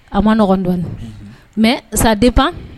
A manɔgɔn dɔɔnin mɛ sa de pan